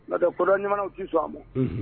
Ntɛ kɔrɔ ɲumanw tɛ sɔn a ma